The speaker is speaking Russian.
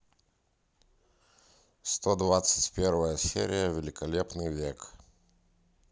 сто двадцать первая серия великолепный век